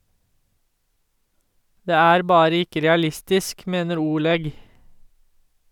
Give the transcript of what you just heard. Det er bare ikke realistisk, mener Oleg.